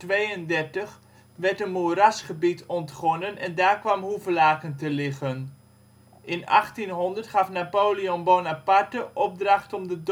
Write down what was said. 1132 werd een moerasgebied ontgonnen en daar kwam Hoevelaken te liggen. In 1800 gaf Napoleon Bonaparte opdracht om de